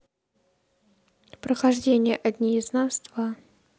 прохождение одни из нас два